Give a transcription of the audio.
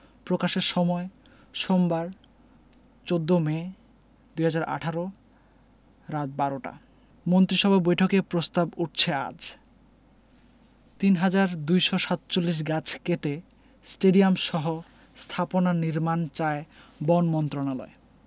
প্রকাশের সময় সোমবার ১৪ মে ২০১৮ রাত ১২টা মন্ত্রিসভা বৈঠকে প্রস্তাব উঠছে আজ ৩২৪৭ গাছ কেটে স্টেডিয়ামসহ স্থাপনা নির্মাণ চায় বন মন্ত্রণালয়